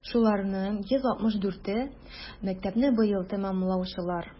Шуларның 164е - мәктәпне быел тәмамлаучылар.